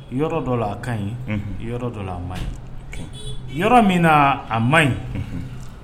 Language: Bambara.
Yɔrɔ dɔ a kan ɲi yɔrɔ dɔ a man ɲi yɔrɔ min a man ɲi